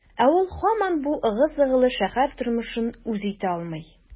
Ә ул һаман бу ыгы-зыгылы шәһәр тормышын үз итә алмый.